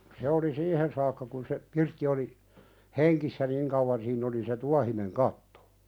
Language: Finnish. se oli siihen saakka kun se pirtti oli hengissä niin kauan siinä oli se tuohinen katto